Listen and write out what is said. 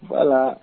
Bala